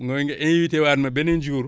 mooy nga invité waat ma beneen jour